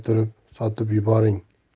turib sotib yuboring